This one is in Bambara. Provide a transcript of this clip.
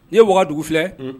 N ye wagadugu filɛ